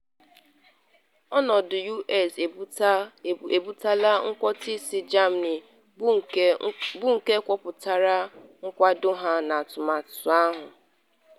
Ọnọdụ US ebutela nkwụtọ si Germany, bụ nke kwuputakwara nkwado ha n’atụmatụ ahụ.